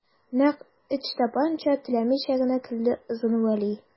Нәкъ Ычтапанча теләмичә генә көлде Озын Вәли.